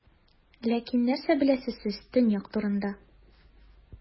Ләкин нәрсә беләсез сез Төньяк турында?